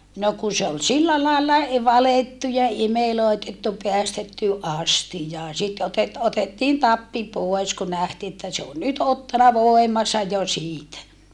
no kun se oli sillä lailla - valettu imelöitetty päästetty astiaan sitten - otettiin tappi pois kun nähtiin että se on nyt ottanut voimansa jo siitä